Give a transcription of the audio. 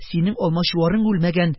Синең Алмачуарың үлмәгән,